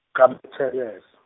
ka -thelezo.